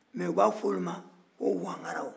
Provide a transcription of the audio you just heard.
mɛ u b'a fɔ olu ma ko wangaraw